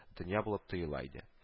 Дөнья булып тоела иде